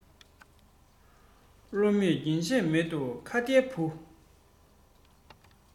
བློ མེད རྒྱུན ཆད མེད དོ ཁྭ ཏའི བུ